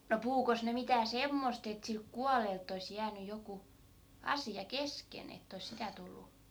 no puhuikos ne mitään semmoista että siltä kuolleelta olisi jäänyt joku asia kesken että olisi sitä tullut